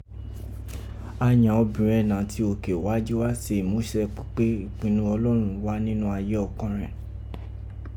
A yàn obìrẹn nàti oke wá jí wá se imuse pípè ipinnọ ọlọ́rọn wá ninọ́ aye ọkọ̀nrẹn .